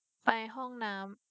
ไปห้องน้ำ